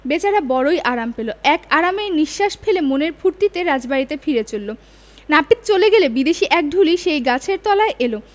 বেচারা বড়োই আরাম পেল এক আরামের নিঃশ্বাস ফেলে মনের ফুর্তিতে রাজবাড়িতে ফিরে চলল নাপিত চলে গেলে বিদেশী এক ঢুলি সেই গাছের তলায় এল